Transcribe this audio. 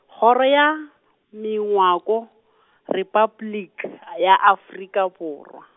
Kgoro ya, Mengwako , Republic a ya Afrika Borwa.